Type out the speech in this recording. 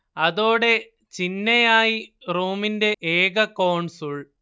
അതോടേ ചിന്നയായി റോമിന്റെ ഏക കോൺസുൾ